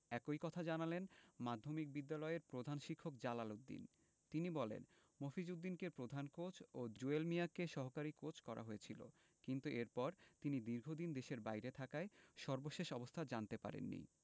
একই কথা জানালেন মাধ্যমিক বিদ্যালয়ের প্রধান শিক্ষক জালাল উদ্দিন তিনি বলেন মফিজ উদ্দিনকে প্রধান কোচ ও জুয়েল মিয়াকে সহকারী কোচ করা হয়েছিল কিন্তু এরপর তিনি দীর্ঘদিন দেশের বাইরে থাকায় সর্বশেষ অবস্থা জানতে পারেননি